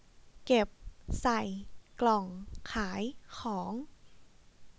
เก็บใส่กล่องขายของ